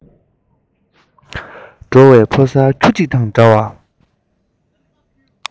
འགྲོ བའི ཕོ གསར ཁྱུ གཅིག དང འདྲ བར